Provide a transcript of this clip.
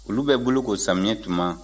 olu bɛ boloko samiyɛ tuma